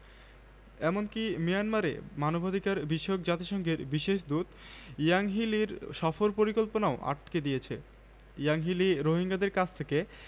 পোস্টে আরো বলা হয় যারা এসব হত্যার জন্য দায়ী এবং যারা আইন নিজের হাতে তুলে নিয়েছে সেনাবাহিনী তাদের বিচার করবে হত্যাকাণ্ডের পক্ষে সাফাই গেয়ে প্রতিবেদনে বলা হয়েছে বৌদ্ধ ধর্মালম্বী